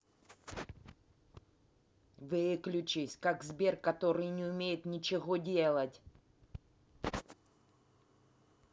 выключись как сбер который не умеет ничего делать